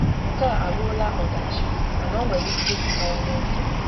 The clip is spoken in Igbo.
Nke a abụrụla ọdachi, mana ọ nwere ike ịkawanye njọ.”